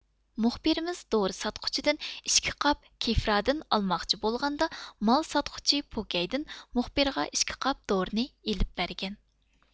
مۇخبىرىمىز دورا ساتقۇچىدىن ئىككى قاپ كېفرادىن ئالماقچى بولغاندا مال ساتقۇچى پوكەيدىن مۇخبىرغا ئىككى قاپ دورىنى ئېلىپ بەرگەن